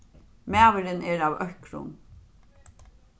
maðurin er av økrum